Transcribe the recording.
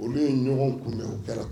Olu ye ɲɔgɔn kunbɛn u bɛɛ